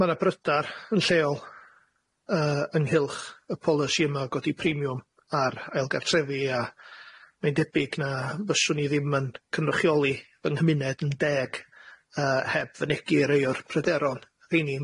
ma' na brydar yn lleol yy ynghylch y polisi yma o godi premiwm ar ailgartrefi a mae'n debyg na fyswn i ddim yn cynrychioli fy nghymuned yn deg yy heb fynegi rei o'r pryderon heini yn